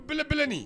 Blɛ kelenni